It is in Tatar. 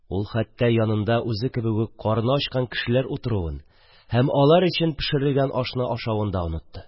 Л хәттә янында үзе кебек үк карыны ачкан кешеләр утыруын һәм алар өчен пешерелгән ашны ашавын да онытты.